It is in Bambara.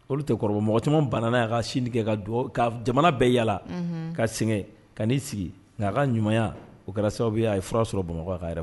Olu tɛkɔrɔbamɔgɔ caman banna' ka sin tigɛ ka ka jamana bɛɛ yalala ka sɛgɛn ka'i sigi nka a ka ɲuman o kɛra sababu i fura sɔrɔ bamakɔ ka yɛrɛ fɛ